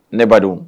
Ne badon